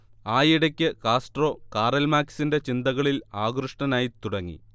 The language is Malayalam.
ആയിടക്ക് കാസ്ട്രോ കാറൽ മാർക്സിന്റെ ചിന്തകളിൽ ആകൃഷ്ടനായിത്തുടങ്ങി